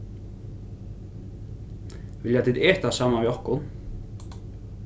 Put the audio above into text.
vilja tit eta saman við okkum